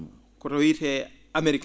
koto wiyetee Amérique